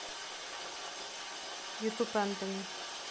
ютуб энтони